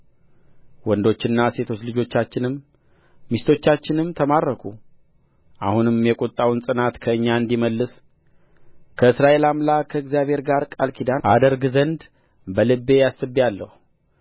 ወንዶችና ሴቶች ልጆቻችንም ሚስቶቻችንም ተማረኩ አሁንም የቍጣው ጽናት ከእኛ እንዲመለስ ከእስራኤል አምላክ ከእግዚአብሔር ጋር ቃል ኪዳን አደርግ ዘንድ በልቤ አስቤአለሁ